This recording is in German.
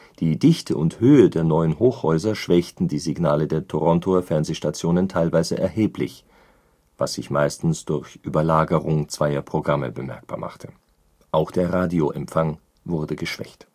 Die Dichte und Höhe der neuen Hochhäuser schwächten die Signale der Torontoer Fernsehstationen teilweise erheblich, was sich meistens durch Überlagerung zweier Programme bemerkbar machte. Auch der Radioempfang wurde geschwächt